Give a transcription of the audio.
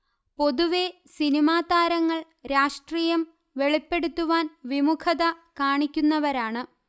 പൊതുവെ സിനിമാതാരങ്ങൾ രാഷ്ട്രീയം വെളിപ്പെടുത്തുവാൻ വിമുഖത കാണിക്കുന്നവരാണ്